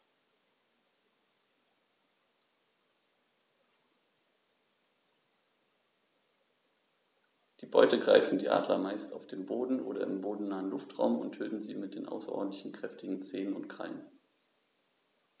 Die Beute greifen die Adler meist auf dem Boden oder im bodennahen Luftraum und töten sie mit den außerordentlich kräftigen Zehen und Krallen.